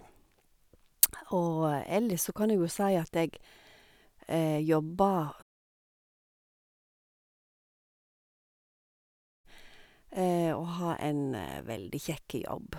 Og ellers så kan jeg jo si at jeg jobber Og har en veldig kjekk jobb.